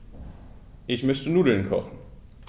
Ich möchte Nudeln kochen.